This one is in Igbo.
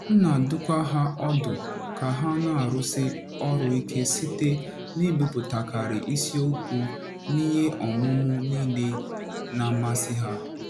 M na-adụkwa ha ọdụ ka ha na-arụsi ọrụ ike site n’ibipụtakarị isiokwu n’ihe ọmụmụ niile na-amasị ha.